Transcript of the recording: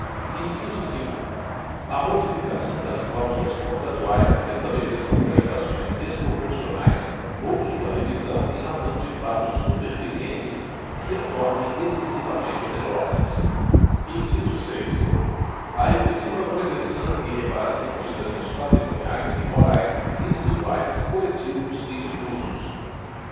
inciso cinco a modificação das cláusulas contratuais que estabeleçam prestações desproporcionais ou sua revisão em razão de fatos supervenientes que as tornem excessivamente onerosas inciso seis a efetiva prevenção e reparação de danos patrimoniais e morais individuais coletivos e difusos